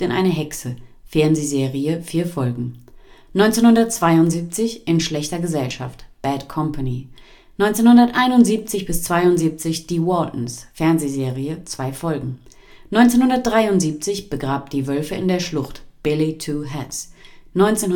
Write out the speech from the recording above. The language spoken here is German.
eine Hexe (Fernsehserie, 4 Folgen) 1972: In schlechter Gesellschaft (Bad Company) 1971 – 1972: Die Waltons (Fernsehserie, 2 Folgen) 1973: Begrabt die Wölfe in der Schlucht (Billy Two Hats) 1973